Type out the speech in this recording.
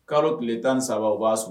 ' tile tan saba u b'a sun